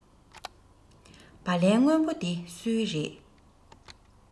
སྦ ལན སྔོན པོ འདི སུའི རེད